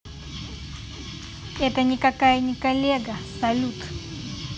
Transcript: это никакая не коллега салют